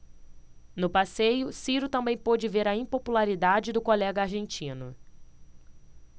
no passeio ciro também pôde ver a impopularidade do colega argentino